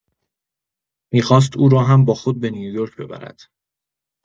می‌خواست او را هم با خود به نیویورک ببرد.